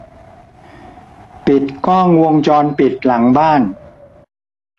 ปิดกล้องวงจรปิดหลังบ้าน